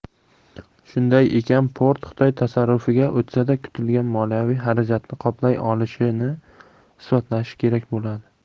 shunday ekan port xitoy tasarrufiga o'tsa da kutilgan moliyaviy xarajatni qoplay olishini isbotlashi kerak bo'ladi